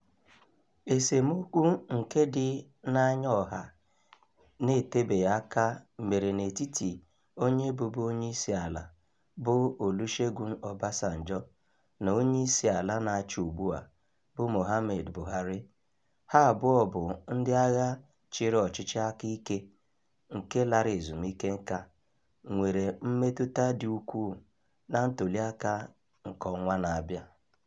Esemokwu nke dị n'anya ọha na-etebeghị aka mere n'etiti onye bụbu Onyeisiala bụ Olusegun Obasanjo na Onyeisiala na-achị ugbua bụ Muhammadu Buhari — ha abụọ bụ ndị agha chịrị ọchịchị aka ike nke lara ezumike nká — nwere mmetụta dị ukwuu na ntụliaka nke ọnwa na-abịa.